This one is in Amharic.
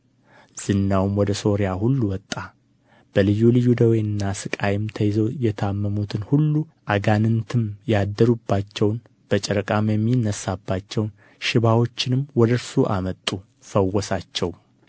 ዝናውም ወደ ሶርያ ሁሉ ወጣ በልዩ ልዩ ደዌና ሥቃይም ተይዘው የታመሙትን ሁሉ አጋንንትም ያደሩባቸውን በጨረቃም የሚነሣባቸውን ሽባዎችንም ወደ እርሱ አመጡ ፈወሳቸውም